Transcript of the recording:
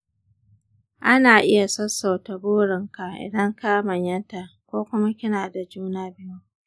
ana iya sassauta burin ka idan ka manyanta ko kuma kina da juna biyu.